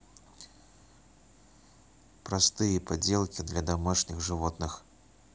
простые поделки для домашних животных